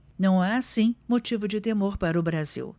não há assim motivo de temor para o brasil